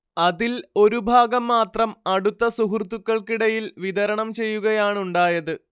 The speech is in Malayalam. അതിൽ ഒരുഭാഗം മാത്രം അടുത്ത സുഹൃത്തുക്കൾക്കിടയിൽ വിതരണം ചെയ്യുകയാണുണ്ടായത്